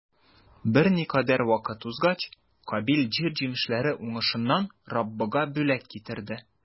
Берникадәр вакыт узгач, Кабил җир җимешләре уңышыннан Раббыга бүләк китерде.